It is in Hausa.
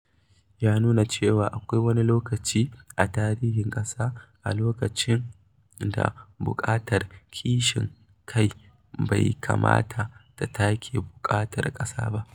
Ya nuna cewa akwai "wani lokaci a tarihin ƙasa a lokacin da buƙatar ƙashin kai bai kamata ta take buƙatar ƙasa ba".